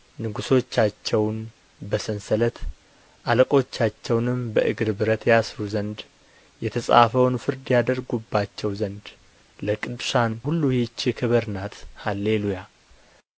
ንጉሦቻቸውን በሰንሰለት አለቆቻቸውንም በእግር ብረት ያስሩ ዘንድ የተጻፈውን ፍርድ ያደርጉባቸው ዘንድ ለቅዱሳን ሁሉ ይህች ክብር ናት ሃሌ ሉያ